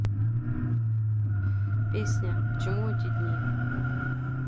песня к чему эти дни